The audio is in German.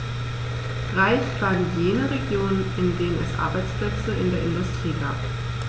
Reich waren jene Regionen, in denen es Arbeitsplätze in der Industrie gab.